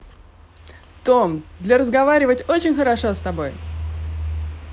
tom для заговаривать очень хорошо с тобой